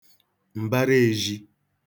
m̀bara ēzhī